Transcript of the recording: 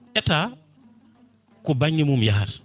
état ko banggue mum yahata